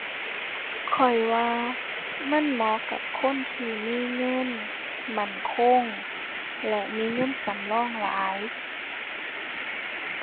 ข้อยว่ามันเหมาะกับคนที่มีเงิน มั่นคง และมีเงินสำรองหลาย